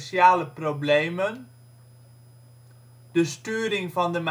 problemen. De sturing van de maatschappelijke